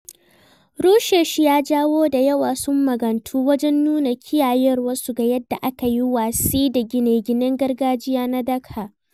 Rushe shi ya jawo da yawa sun magantu wajen nuna ƙiyayyarsu ga yadda aka yi watsi da gine-ginen gargajiya na Dhaka.